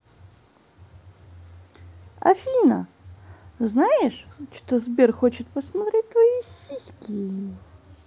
афина знаешь что сбер хочет посмотреть твои сиськи